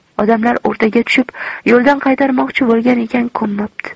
odamlar o'rtaga tushib yo'ldan qaytarmoqchi bo'lgan ekan ko'nmapti